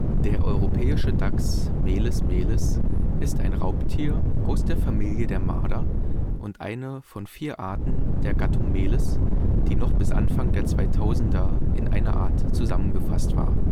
Der Europäische Dachs (Meles meles) ist ein Raubtier aus der Familie der Marder und eine von vier Arten der Gattung Meles, die noch bis Anfang der 2000er Jahre in einer Art zusammengefasst waren